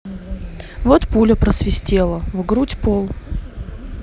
вот пуля просвистела в грудь пол